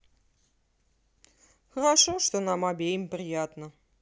хорошо что нам обеим приятно